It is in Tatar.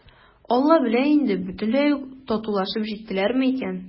«алла белә инде, бөтенләй үк татулашып җиттеләрме икән?»